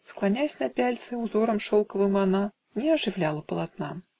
склонясь на пяльцы, Узором шелковым она Не оживляла полотна.